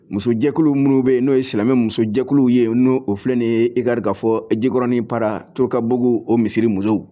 Musojɛkulu minnu bɛ yen n'o ye silamɛ musojɛkulu ye n'o o filɛnen ye i kar kafɔ jikɔrɔnin para tourukabugu o misisiriri musow